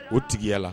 O tigiya la